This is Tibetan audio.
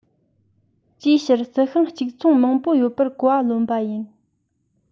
ཅིའི ཕྱིར རྩི ཤིང གཅིག མཚུངས མང པོ ཡོད པར གོ བ ལོན པ ཡིན